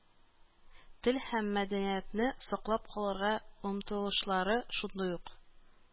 Тел һәм мәдәниятне саклап калырга омтылышлары шундый ук.